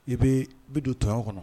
I bɛ bɛ don tɔ kɔnɔ